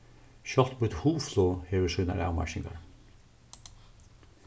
sjálvt mítt hugflog hevur sínar avmarkingar